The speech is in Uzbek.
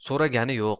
so'ragani yo'q